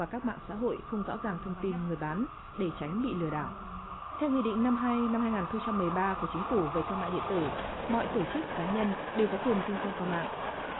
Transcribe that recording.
và các mạng xã hội không rõ ràng thông tin người bán để tránh bị lừa đảo theo nghị định năm hai năm hai ngàn không trăm mười ba của chính phủ về thương mại điện tử mọi tổ chức cá nhân đều có quyền kinh doanh qua mạng